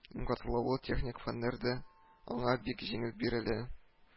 Иң катлаулы техник фәннәр дә аңа бик җиңел бирелә